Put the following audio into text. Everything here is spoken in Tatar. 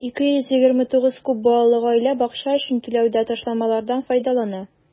229 күп балалы гаилә бакча өчен түләүдә ташламалардан файдалана.